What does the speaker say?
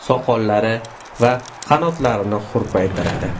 soqollari va qanotlarini hurpaytiradi